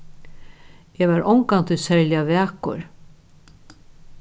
eg var ongantíð serliga vakur